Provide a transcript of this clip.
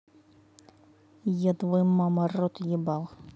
я твой мама рот ебал